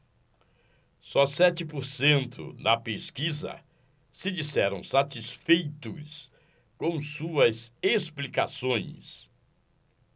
só sete por cento na pesquisa se disseram satisfeitos com suas explicações